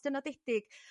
dynodedig